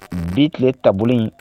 Bi tile taabolo in